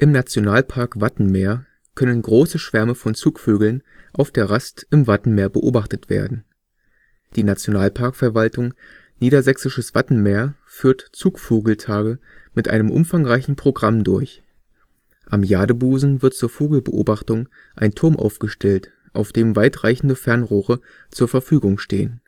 Nationalpark Wattenmeer können große Schwärme von Zugvögeln auf der Rast im Wattenmeer beobachtet werden. Die Nationalparkverwaltung Niedersächsisches Wattenmeer führt „ Zugvogeltage “mit einem umfangreichen Programm durch. Am Jadebusen wird zur Vogelbeobachtung ein Turm aufgestellt, auf dem weit reichende Fernrohre zur Verfügung stehen